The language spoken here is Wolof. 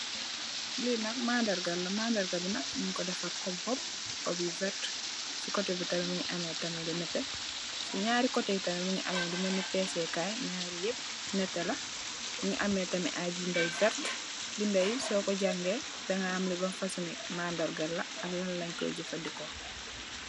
Li nak mandarga la, mandarga bi nak, nung ko defar kom hoop. Hoop yu vert, ci kotè tamit mungi ameh tamit lu nètè. Naari kotè tamit mungi ameh lu mèlni pèsèkaay. Naari yëp nètè la mungi ameh tamit ay binda yu vert, binda yi soko jàngay daga ham li ban fasungi mandarga ak lan leen koy jafadeko.